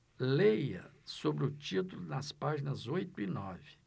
leia sobre o título nas páginas oito e nove